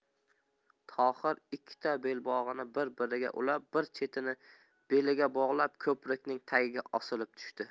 tohir ikkita belbog'ni bir biriga ulab bir chetini beliga bog'lab ko'prikning tagiga osilib tushdi